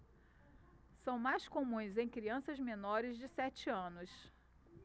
são mais comuns em crianças menores de sete anos